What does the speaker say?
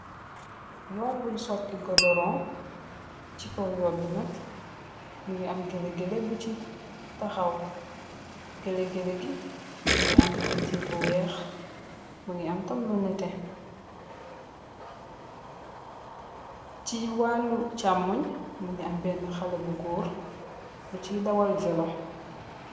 Yonn bun sote goduru se kaw yonn be nak muge am gele gele buche tahaw gele gele ge muge am painterr bu weehe muge am tam lu neteh che walu chamung muge am bena haleh bu goor buseye dawal weelu.